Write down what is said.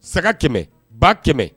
Saga kɛmɛ ba kɛmɛ